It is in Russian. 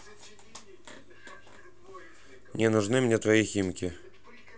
не нужны мне твои химки